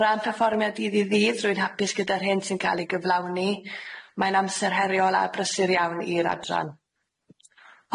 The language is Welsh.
O ran perfformiad dydd i ddydd rwy'n hapus gyda'r hyn sy'n ca'l ei gyflawni mae'n amser heriol a brysur iawn i'r adran.